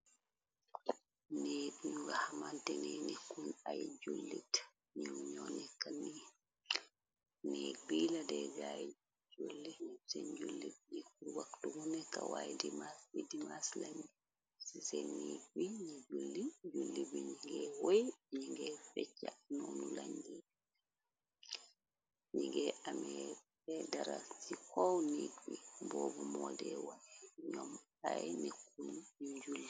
Neet ñu waxamantenee nekkun ay jullit ñu ñoo nekkani neek bi ladeegaay jllen jullit ñi ku waktu mu nekkawaay dimas bi dimas lañ ci seen niit bi ñi jlli julli bi ñinge oy ñinge fecc noonu lañ i ñinge ameefe daraf ci xoow nit bi boobu moodeewane ñoom ay nekkun ñu julli.